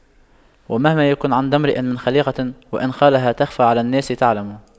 ومهما يكن عند امرئ من خَليقَةٍ وإن خالها تَخْفَى على الناس تُعْلَمِ